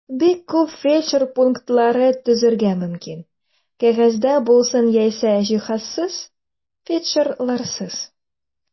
Бик күп фельдшер пунктлары төзергә мөмкин (кәгазьдә булсын яисә җиһазсыз, фельдшерларсыз).